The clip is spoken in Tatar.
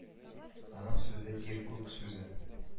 Аның сүзе ир, күк сүзе